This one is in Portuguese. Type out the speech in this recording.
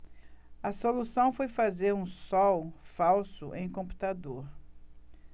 a solução foi fazer um sol falso em computador